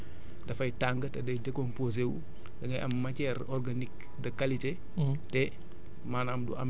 di ko muuraat boo ko muuree da ngay gis ni dafay tàng te day décomposé wu da ngay am maières organiques de qualité